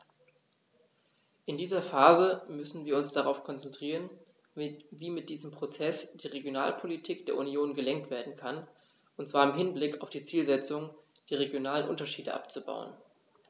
In dieser Phase müssen wir uns darauf konzentrieren, wie mit diesem Prozess die Regionalpolitik der Union gelenkt werden kann, und zwar im Hinblick auf die Zielsetzung, die regionalen Unterschiede abzubauen.